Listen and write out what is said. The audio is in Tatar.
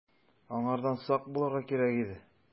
Аңардан сак булырга кирәк иде.